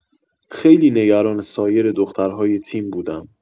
خیلی نگران سایر دخترهای تیم بودم.